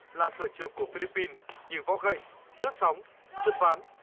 là sở trường của phi líp pin như võ gậy lướt sóng trượt ván